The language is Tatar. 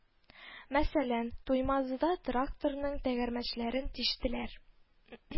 Мәсәлән, Туймазыда тракторның тәгәрмәчләрен тиштеләр